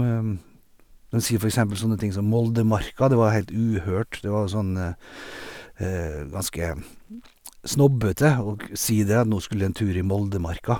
Dem sier for eksempel sånne ting som Moldemarka, det var heilt uhørt, det var sånn ganske snobbete å g si det, nå skulle jeg en tur i Moldemarka.